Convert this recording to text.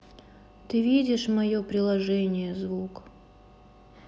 ты видишь мое приложение звук